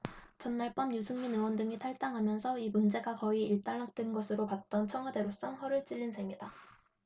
전날 밤 유승민 의원 등이 탈당하면서 이 문제가 거의 일단락된 것으로 봤던 청와대로선 허를 찔린 셈이다